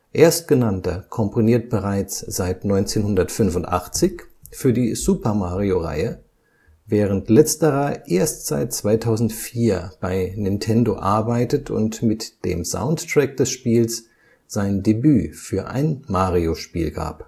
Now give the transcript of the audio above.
Erstgenannter komponiert bereits seit 1985 für die Super-Mario-Reihe, während Letzterer erst seit 2004 bei Nintendo arbeitet und mit dem Soundtrack des Spiels sein Debüt für ein Mario-Spiel gab